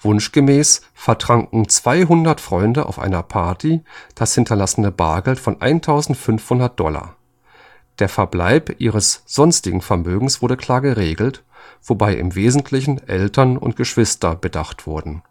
Wunschgemäß vertranken 200 Freunde auf einer Party das hinterlassene Bargeld von 1500 Dollar. Der Verbleib ihres sonstigen Vermögens war klar geregelt, wobei im Wesentlichen Eltern und Geschwister bedacht wurden